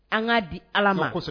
An k'a di ala ma kosɛbɛ